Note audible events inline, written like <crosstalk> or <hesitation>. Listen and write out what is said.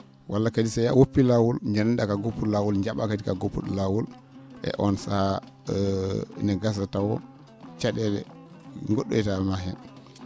walla kadi so a woppii laawol nganndaa ko a goppu?o laawol nja?aa kadi ko a ngoppu?o laawol e on sahaa <hesitation> ene gasa taw ca?eele go??oyta ma heen